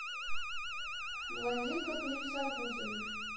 блондинка клип с арбузами